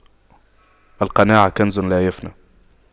القناعة كنز لا يفنى